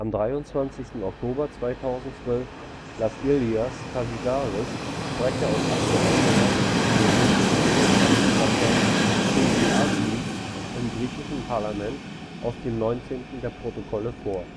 23. Oktober 2012 las Ilias Kasidiaris, Sprecher und Abgeordneter der griechischen Neonazi-Partei Chrysi Avgi, im griechischen Parlament aus dem 19. der Protokolle vor